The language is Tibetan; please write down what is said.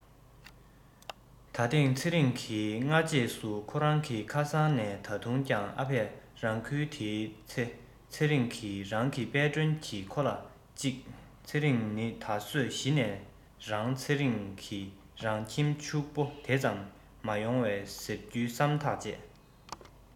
ད ཐེངས ཚེ རིང གིས སྔ རྗེས སུ ཁོ རང གི ཁ སང ནས ད དུང ཀྱང ཨ ཕས རང འགུལ དེའི ཚེ ཚེ རིང གི རང གི དཔལ སྒྲོན གྱིས ཁོ ལ གཅིག ཚེ རིང ནི ད གཟོད གཞི ནས རང ཚེ རིང གི རང ཁྱིམ ཕྱུག པོ དེ ཙམ མ ཡོང ཟེར རྒྱུའི སེམས ཐག བཅད